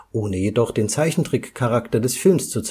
ohne jedoch den Zeichentrick-Charakter des Films zu